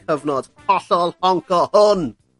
cyfnod hollol honco hwn.